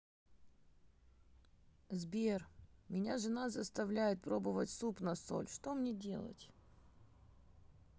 сбер меня заставляет жена пробовать суп на соль что мне делать